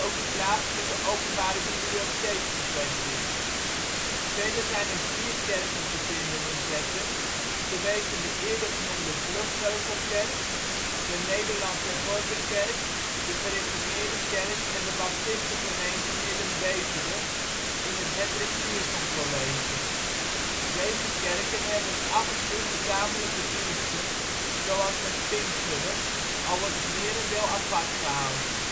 de plaatselijke openbare bibliotheek gevestigd. Verder zijn er vier kerken te vinden in Zetten, te weten de eerder genoemde Vluchtheuvel Kerk, de Nederlandse Hervormde Kerk, de Gereformeerde Kerk en de Baptistengemeente Midden-Betuwe (in het Hendrik Pierson College). Deze kerken hebben af en toe gezamenlijke diensten, zoals met Pinksteren, al wordt het merendeel apart gehouden